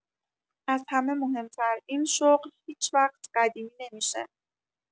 از همه مهم‌تر، این شغل هیچ‌وقت قدیمی نمی‌شه.